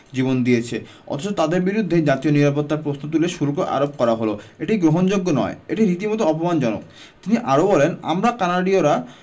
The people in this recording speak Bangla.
জীবন দিয়েছে অথচ তাঁদের বিরুদ্ধেই জাতীয় নিরাপত্তার প্রশ্ন তুলে শুল্ক আরোপ করা হলো এটি গ্রহণযোগ্য নয় এটি রীতিমতো অপমানজনক তিনি আরও বলেন আমরা কানাডীয়রা